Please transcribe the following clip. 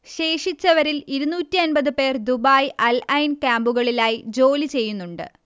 ശേഷിച്ചവരിൽ ഇരുന്നൂറ്റി അൻപത് പേർ ദുബായ്, അൽഐൻ ക്യാംപുകളിലായി ജോലി ചെയ്യുന്നുണ്ട്